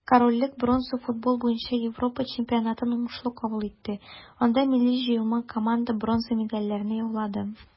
Корольлек бронза футбол буенча Европа чемпионатын уңышлы кабул итте, анда милли җыелма команда бронза медальләрне яулады.